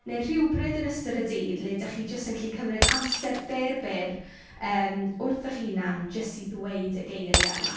Neu rhywbryd yn ystod y dydd le dach chi jyst yn gallu cymryd amser byr, byr yym wrth eich hunan jyst i ddweud y geiriau yma.